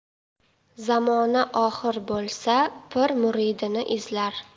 zamona oxir bo'lsa pir muridini izlar